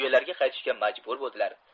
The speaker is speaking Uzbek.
uyalariga qaytishga majbur bo'ldilar